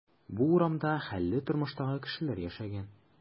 Бу урамда хәлле тормыштагы кешеләр яшәгән.